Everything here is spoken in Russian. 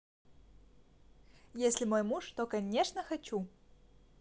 если мой муж то конечно хочу